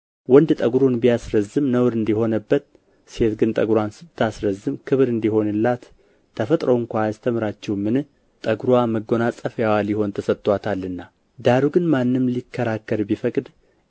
ወንድ ጠጉሩን ቢያስረዝም ነውር እንዲሆንበት ሴት ግን ጠጉርዋን ብታስረዝም ክብር እንዲሆንላት ተፈጥሮ እንኳ አያስተምራችሁምን ጠጉርዋ መጎናጸፊያ ሊሆን ተሰጥቶአታልና ዳሩ ግን ማንም ሊከራከር ቢፈቅድ